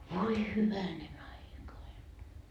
voi hyvänen aika aina